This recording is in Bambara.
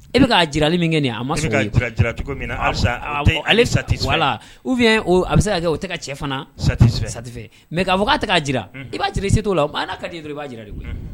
E bɛ' jirali min kɛ a ma se ka min na ale sati u bɛ a bɛ se kɛ o tɛ ka cɛ fana sati satifɛ mɛ k'a fɔ a'a jira i b'a jira se' la a ka di i dɔrɔn i b'a jira koyi